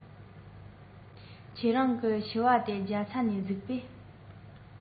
ཁྱེད རང གི ཕྱུ པ དེ རྒྱ ཚ ནས གཟིགས པས